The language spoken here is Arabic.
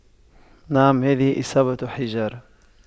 نعم هذه إصابة حجارة